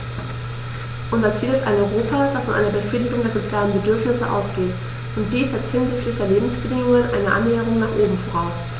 Unser Ziel ist ein Europa, das von einer Befriedigung der sozialen Bedürfnisse ausgeht, und dies setzt hinsichtlich der Lebensbedingungen eine Annäherung nach oben voraus.